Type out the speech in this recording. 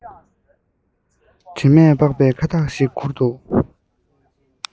དྲི མས སྦགས པའི ཁ བཏགས ཤིག ཁུར འདུག